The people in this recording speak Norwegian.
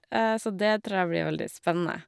Så det tror jeg blir veldig spennende.